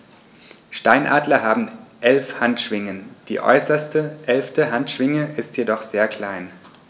Steinadler haben 11 Handschwingen, die äußerste (11.) Handschwinge ist jedoch sehr klein.